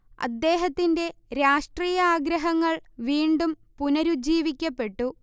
അദ്ദേഹത്തിന്റെ രാഷ്ട്രീയാഗ്രഹങ്ങൾ വീണ്ടും പുനരുജ്ജീവിക്കപ്പെട്ടു